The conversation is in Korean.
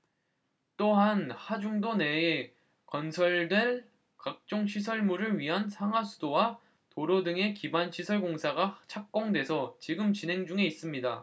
또한 하중도 내에 건설될 각종 시설물을 위한 상하수도와 도로 등의 기반시설 공사가 착공돼서 지금 진행 중에 있습니다